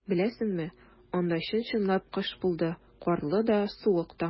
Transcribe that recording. Беләсеңме, анда чын-чынлап кыш булды - карлы да, суык та.